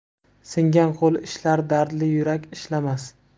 singan qo'l ishlar dardli yurak ishlamas